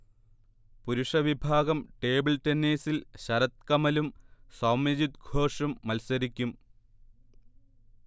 പുരുഷവിഭാഗം ടേബിൾ ടെന്നീസിൽ ശരത് കമലും സൗമ്യജിത് ഘോഷും മൽസരിക്കും